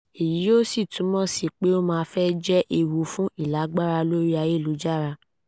Èyí yóò túmọ̀ sí pé ó máa fẹ́ jẹ́ ewu fún ìlágbára lórí ayélujára.